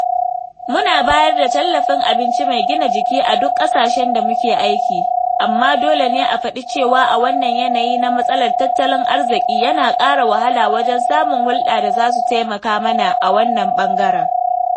Muna bayar da tallafin abinci mai gina jiki a duk ƙasashen da muke aiki, amma dole ne a faɗi cewa a wannan yanayi na matsalar tattalin arziƙi yana ƙara wahala wajen samun hulɗa da za su taimaka mana a wannan ɓangaren.